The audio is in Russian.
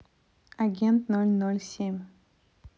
агент ноль ноль семь